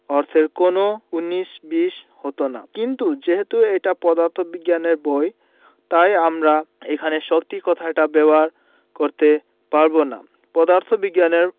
অর্থের কোনো উনিশ বিশ হতো না কিন্তু যেহেতু এটা পদার্থবিজ্ঞানের বই তাই আমরা এখানে শক্তি কথাটা ব্যবহার করতে পারব না পদার্থবিজ্ঞানের